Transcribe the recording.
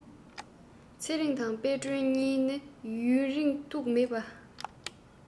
ཚེ རིང དང དཔལ སྒྲོན གཉིས ནི ཡུན རིང ཐུགས མེད པས